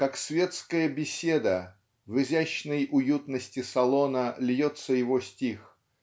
как светская беседа в изящной уютности салона льется его стих